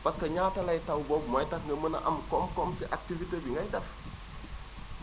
parce que ñaata lay taw boobu mooy tax nga mën a am koom-koom si activité bi ngay def